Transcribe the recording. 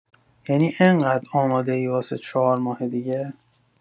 ینی انقد آماده‌ای واس ۴ ماه دیگه؟